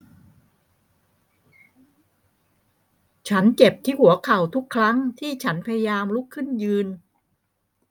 ฉันเจ็บที่หัวเข่าทุกครั้งที่ฉันพยายามลุกขึ้นยืน